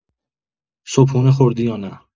صبحونه خوردی یا نه؟